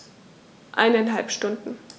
Eineinhalb Stunden